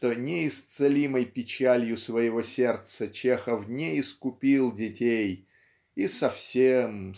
что неисцелимой печалью своего сердца Чехов не искупил детей и совсем